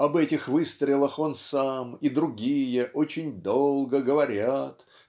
об этих выстрелах он сам и другие очень долго говорят